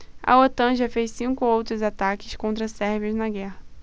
a otan já fez cinco outros ataques contra sérvios na guerra